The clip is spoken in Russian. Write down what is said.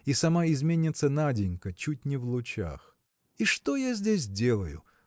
и сама изменница Наденька – чуть не в лучах. И что я здесь делаю?